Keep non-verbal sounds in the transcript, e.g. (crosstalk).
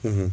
(hesitation) (hesitation)